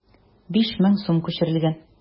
5000 сум күчерелгән.